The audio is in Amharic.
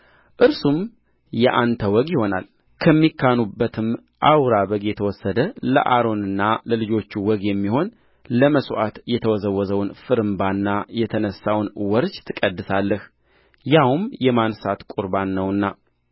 እርሱም የአንተ ወግ ይሆናል ከሚካኑበትም አውራ በግ የተወሰደ ለአሮንና ለልጆቹ ወግ የሚሆን ለመሥዋዕት የተወዘወዘውን ፍርምባና የተነሣውን ወርች ትቀድሳለህ ያውም የማንሣት ቍርባን ነውና